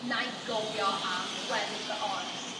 'nai gofio am weddill fy oes